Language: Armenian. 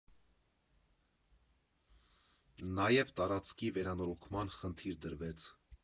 Նաև տարածքի վերանորոգման խնդիր դրվեց։